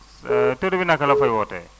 tur bi naka la fooy wootee